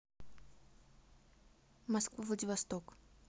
москва владивосток